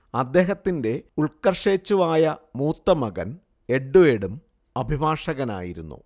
അദ്ദേഹത്തിന്റെ ഉൽക്കർഷേച്ഛുവായ മൂത്തമകൻ എഡ്വേർഡും അഭിഭാഷകനായിരുന്നു